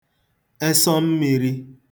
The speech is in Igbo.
ẹsọ mmīrī